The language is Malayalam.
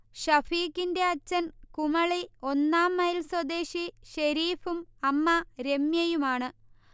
ഷഫീക്കിന്റെ അച്ഛൻ കുമളി ഒന്നാംമൈൽ സ്വദേശി ഷെരീഫും അമ്മ രമ്യയുമാണ്